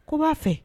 Ko b'a fɛ